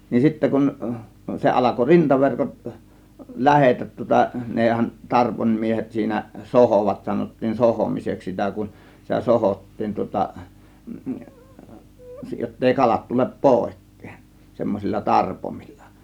niin sitten kun se alkoi rintaverkot lähteä tuota nehän tarvoinmiehet siinä sohoivat sanottiin sohomiseksi sitä kun sitä sohottiin tuota jotta ei kalat tule pois semmoisilla tarpoimilla